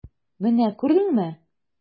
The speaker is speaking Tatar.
Менә күрдеңме?